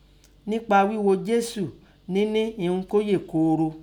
Nẹ́pa ghigho Jesu, nẹni innu ko yè kooro.